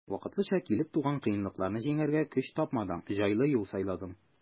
Вакытлыча килеп туган кыенлыкларны җиңәргә көч тапмадың, җайлы юл сайладың.